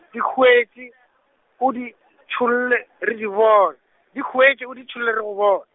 dihuetšo, o di tšholle, re di bone, dihuetšo o di tšholle re go bone.